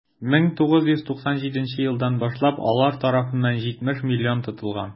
1997 елдан башлап алар тарафыннан 70 млн тотылган.